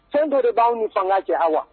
Fɛn dɔ de b'anw ni fanga cɛ Awa!